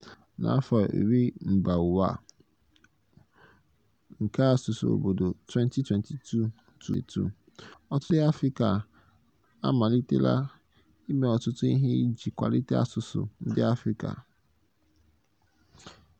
N'ihi afọ mba ụwa nke asụsụ obodo n'afọ 2019 na afọ iri mba ụwa nke asụsụ obodo 2022-2032, ọtụtụ ndị Afrịka amalitela ime ọtụtụ ihe iji kwalite asụsụ ndị Afrịka.